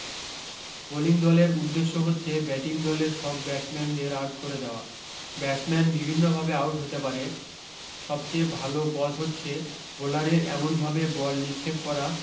bowling দলের উদ্দেশ্য হচ্ছে ব্যাটিং দলের সব ব্যাটসম্যানদের আউট করে দেয়া ব্যাটসম্যান বিভিন্নভাবে আউট হতে পারে সবচেয়ে ভাল পথ হচ্ছে বোলারের এমনভাবে বল নিক্ষেপ করা